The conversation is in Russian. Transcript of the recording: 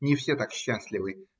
не все так счастливы.